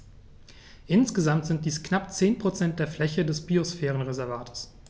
Insgesamt sind dies knapp 10 % der Fläche des Biosphärenreservates.